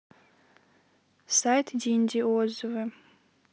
сайт динди отзывы